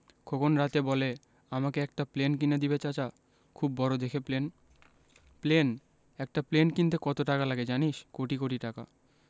খোকন রাতে বলে আমাকে একটা প্লেন কিনে দিবে চাচা খুব বড় দেখে প্লেন প্লেন একটা প্লেন কিনতে কত টাকা লাগে জানিস কোটি কোটি টাকা